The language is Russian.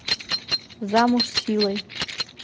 замуж силой